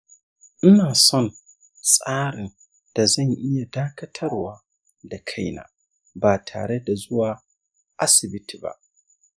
ina son tsarin da zan iya dakatarwa da kaina ba tare da zuwa asibiti ba.